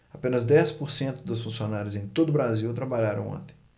apenas dez por cento dos funcionários em todo brasil trabalharam ontem